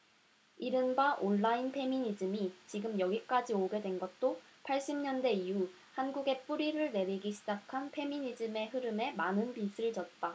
이른바 온라인 페미니즘이 지금 여기까지 오게 된 것도 팔십 년대 이후 한국에 뿌리를 내리기 시작한 페미니즘의 흐름에 많은 빚을 졌다